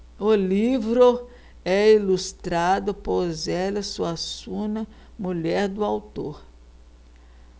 o livro é ilustrado por zélia suassuna mulher do autor